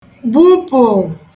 bupụ̀